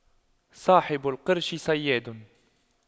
صاحب القرش صياد